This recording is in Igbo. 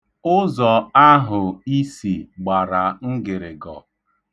Ụzọ ahụ i si gbara ngịrịgọ.